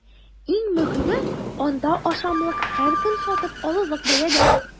Иң мөһиме – монда ашамлыклар һәркем сатып алырлык бәядән!